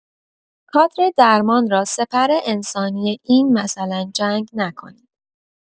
کادر درمان را سپر انسانی این مثلا جنگ نکنید.